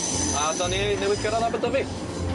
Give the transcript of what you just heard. A 'dan ni newydd gyrradd Abedyfi!